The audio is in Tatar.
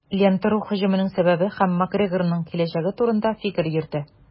"лента.ру" һөҗүмнең сәбәбе һәм макгрегорның киләчәге турында фикер йөртә.